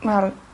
ma' nw'n